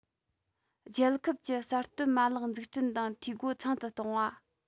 རྒྱལ ཁབ ཀྱི གསར གཏོད མ ལག འཛུགས སྐྲུན དང འཐུས སྒོ ཚང དུ གཏོང བ